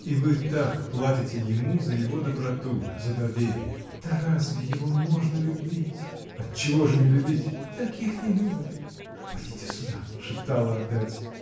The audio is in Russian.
— И вы так платите ему за его доброту, за доверие!. — Да разве его можно любить? — Отчего же не любить? — Таких не любят. Подите сюда!. — шептала опять.